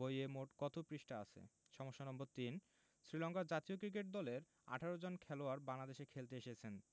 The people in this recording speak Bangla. বইয়ে মোট কত পৃষ্ঠা আছে সমস্যা নম্বর ৩ শ্রীলংকার জাতীয় ক্রিকেট দলের ১৮ জন খেলোয়াড় বাংলাদেশে খেলতে এসেছেন